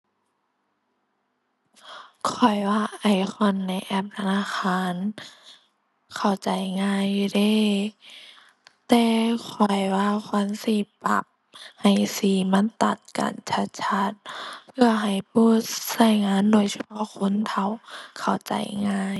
ข้อยว่า icon ในแอปธนาคารเข้าใจง่ายอยู่เดะ แต่ข้อยว่าควรสิปรับให้สีมันตัดกันชัดชัด เพื่อให้ผู้ใช้งานโดยเฉพาะคนเฒ่า เข้าใจง่าย